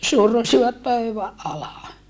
survoivat pöydän alle